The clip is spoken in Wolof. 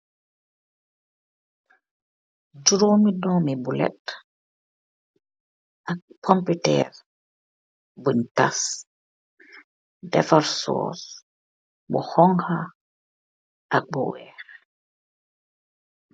Juroomi domi buleet ak pompiter bun tass defar soss bu xonxa ak bu weex.